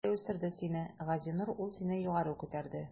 Партия үстерде сине, Газинур, ул сине югары күтәрде.